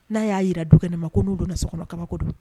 Na ya yira du kɛ ma ko nu donna so kɔnɔ kabako don.